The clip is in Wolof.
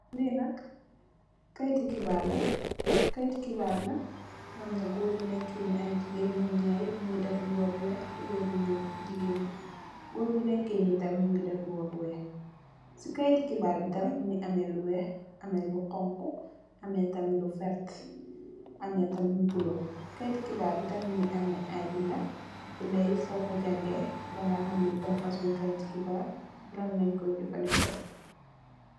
Lii nak kayiti xibaar la, kayiti xibaar bi nak amna goor bu nekke ni ak jigeen, nyom nyaar yapp nyun ngi def mbuba bu weex ak tubey bu nyuul, jigeen bi, goor bu neke ni tamit, mingi def mbubu bu weex, si kayiti xibaar bi tamit, mingi ame lu weex, ame lu xonxu, ame tamit lu verte, ame tamit lu bula, kayiti xibaar bi tam, mingi ame ay binda, binda yi so ko jangee, degaay xam li ban fasong kayiti xibaar, ak lan lenj koy jafandiko.